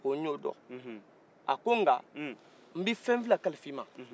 a ko y'o dɔn a ko nka n bɛ fɛ fila kalif'i ma